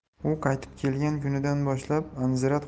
u qaytib kelgan kunidan boshlab anzirat